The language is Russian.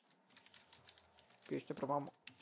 песня про маму